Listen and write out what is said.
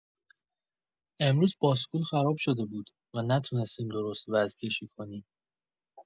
امروز باسکول خراب شده بود و نتونستیم درست وزن‌کشی کنیم.